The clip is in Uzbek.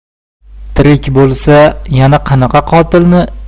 tirik bo'lsa yana qanaqa